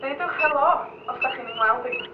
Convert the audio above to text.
deudwch Helo os 'dach chi'n 'yng ngweld i.